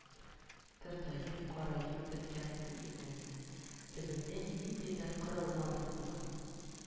Картаеп, караеп беткән бу имәннәр төбендә ниндидер корылма да булган